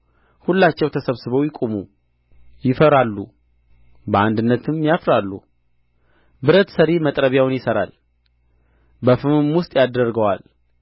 ሁላቸው ተሰብስበው ይቁሙ ይፈራሉ በአንድነትም ያፍራሉ ብረት ሠሪ መጥረቢያውን ይሠራል በፍምም ውስጥ ያደርገዋል